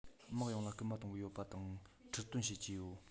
དམག ཡོངས ལ སྐུལ མ གཏོང གི ཡོད པ དང ཁྲིད སྟོན བྱེད ཀྱི ཡོད